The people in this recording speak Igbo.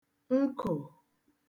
nkò